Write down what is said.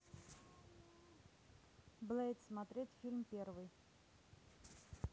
блэйд смотреть фильм первый